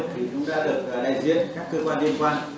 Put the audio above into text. đại diện các cơ quan liên quan